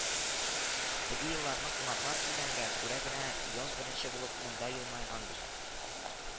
Теге елларны кунаклар килгәнгә күрә генә яз беренче булып монда елмайгандыр